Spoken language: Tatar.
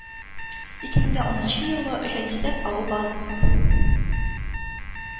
Ике мең дә унынчы елгы җанисәп алу базасы